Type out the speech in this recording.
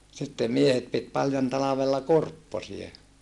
sitten miehet piti paljon talvella kurpposia